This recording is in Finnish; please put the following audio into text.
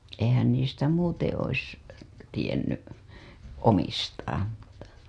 eihän niistä muuten olisi tiennyt omistaan mutta